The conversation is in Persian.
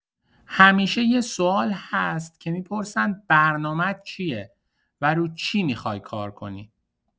همیشۀ سوال هست که می‌پرسن برنامت چیه و رو چی میخوای کار کنی؟